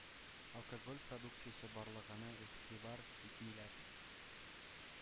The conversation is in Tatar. Алкоголь продукциясе барлыгына игътибар итмиләр,